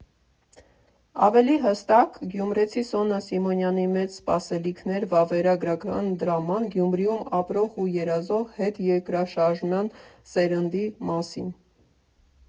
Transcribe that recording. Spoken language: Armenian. Ավելի հստակ՝ գյումրեցի Սոնա Սիմոնյանի «Մեծ սպասելիքներ» վավերագրական դրաման՝ Գյումրիում ապրող ու երազող հետերկրաշարժյան սերնդի մասին։